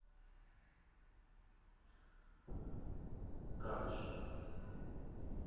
кадышева